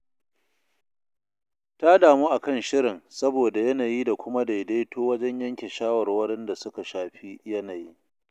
Ta damu a kan shirin sabo da yanayi da kuma daidaito wajen yanke shawarwarin da suka shafi yanayi.